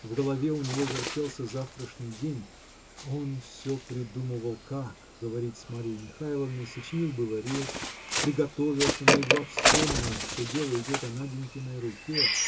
В голове у него вертелся завтрашний день он все придумывал как говорить с Марьей Михайловной сочинил было речь приготовился но едва вспомнил что дело идет о Наденькиной руке